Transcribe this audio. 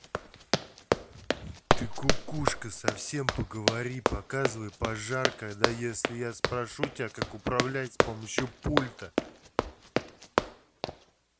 ты кукушка совсем поговори показывай пожар когда если я спрошу тебя как управляться с помощью пульта